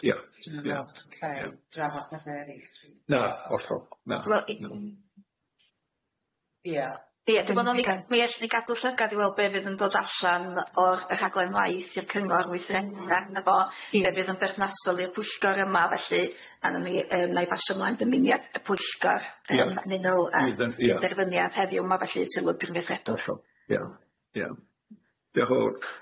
Na hollol, na. Ia dwi'n meddwl nawn ni gadw llygad i weld be fydd yn dod allan o'r rhaglen waith i'r cyngor weithredu arny fo a fydd yn berthnasol i'r pwyllgor yma felly a nawn ni ymm 'na i basio mlaen dymuniad y pwyllgor ymm penderfyniad heddiw 'ma felly i sylw'r Prif Weithredwr. Ia ia.